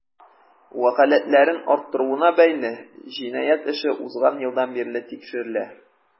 Вәкаләтләрен арттыруына бәйле җинаять эше узган елдан бирле тикшерелә.